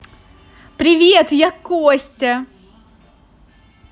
привет я костя